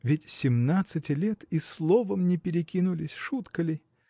ведь семнадцать лет и словом не перекинулись, шутка ли!